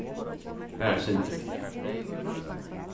bara eitt sindur